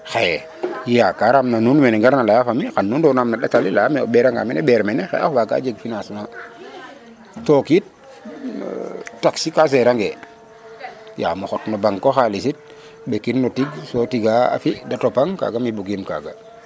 xaye yakaram na nuun wene ngar na leya fo mi nu ndonam na ndata le leya me o ɓera nga mene ɓeer mene xaƴa waga jeg financement took it taxe ka chere ange yaag um xot no banque xalis it ɓekin no tig so tiga fi de topanga kaga bugim kaga